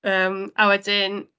Yym. A wedyn...